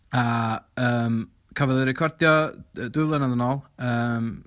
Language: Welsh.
A yym cafodd ei recordio dwy flynedd yn ôl yym.